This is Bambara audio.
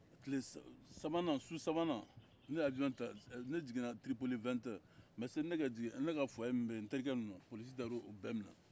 su sabanan ne ye awiyɔn ta ne jigina tiripoli su nɛgɛ kanɲɛ segin mɛ yanni ne ka jigin ne ka jigiyaso min bɛ yen n terikɛ nunun polisiw taar'olu bɛɛ minɛ